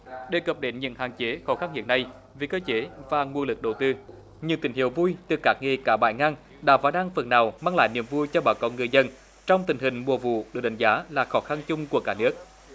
đề cập đến những hạn chế khó khăn hiện nay vì cơ chế và nguồn lực đầu tư nhiều tín hiệu vui từ các nghề cá bãi ngang đã và đang phần nào mang lại niềm vui cho bà con ngư dân trong tình hình mùa vụ được đánh giá là khó khăn chung của cả nước